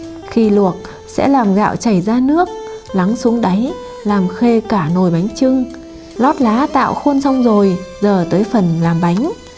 khi luộc sẽ làm gạo chảy ra nước lắng xuống đáy làm khê cả nồi bánh chưng lót lá tạo khuôn xong rồi giờ tới phần làm bánh